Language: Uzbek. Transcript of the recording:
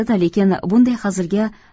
lekin bunday hazilga hamma